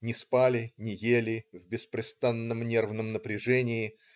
Не спали, не ели, в беспрестанном нервном напряжении.